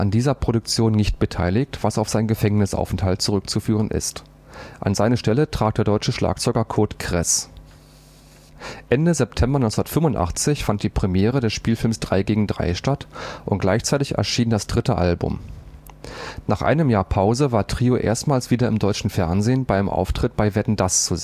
dieser Produktion nicht beteiligt, was auf seinen Gefängnisaufenthalt zurückzuführen ist. An seine Stelle trat der deutsche Schlagzeuger Curt Cress. Ende September 1985 fand die Premiere des Spielfilms „ Drei gegen Drei “statt, und gleichzeitig erschien das dritte Album. Nach einem Jahr Pause war Trio erstmals wieder im deutschen Fernsehen bei einem Auftritt bei „ Wetten dass..? “zu sehen